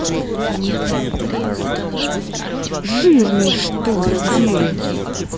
жирные что ли день